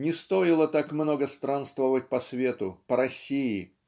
не стоило так много странствовать по свету по России